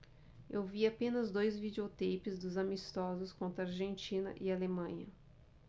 eu vi apenas dois videoteipes dos amistosos contra argentina e alemanha